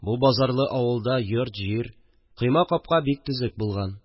Бу базарлы авылда йорт-җир, капка-койма бик төзек булган